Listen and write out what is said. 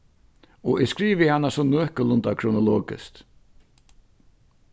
og eg skrivi hana so nøkulunda kronologiskt